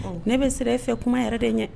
Ne bɛ sira e fɛ kuma yɛrɛ de ɲɛ